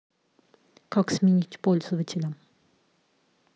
как сменить пользователя